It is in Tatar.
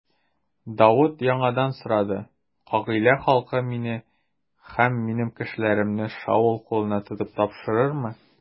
Давыт яңадан сорады: Кыгыйлә халкы мине һәм минем кешеләремне Шаул кулына тотып тапшырырмы?